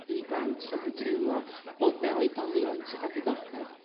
i blant fod yn teimlo bod 'na oedolion sydd a diddordeb